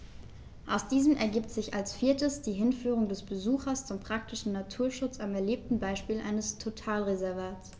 Aus diesen ergibt sich als viertes die Hinführung des Besuchers zum praktischen Naturschutz am erlebten Beispiel eines Totalreservats.